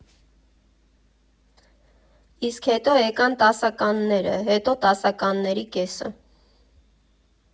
Իսկ հետո եկան տասականները, հետո տասականների կեսը։